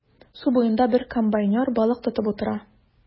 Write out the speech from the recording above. Су буенда бер комбайнер балык тотып утыра.